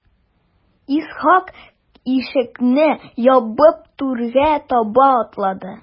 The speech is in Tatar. Исхак ишекне ябып түргә таба атлады.